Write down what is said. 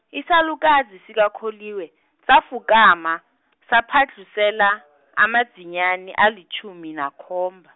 isilukazi sikaKholiwe, safukama, saphandlusela, amadzinyani, alitjhumi nakhomba.